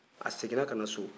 a seginna ka na so